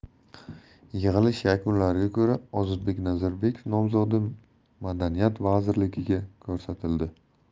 yig'ilish yakunlariga ko'ra ozodbek nazarbekov nomzodi madaniyat vaziriligiga ko'rsatildi